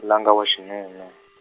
langa wa xinuna.